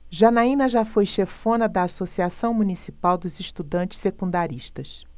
janaina foi chefona da ames associação municipal dos estudantes secundaristas